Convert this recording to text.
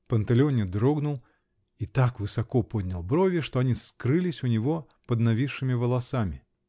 Панталеоне дрогнул и так высоко поднял брови, что они скрылись у него под нависшими волосами.